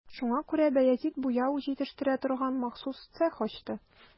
Шуңа күрә Баязит буяу җитештерә торган махсус цех ачты.